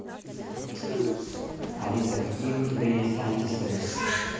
алиса какие у тебя есть антистресс